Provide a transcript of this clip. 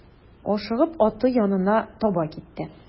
Ашыгып аты янына таба китте.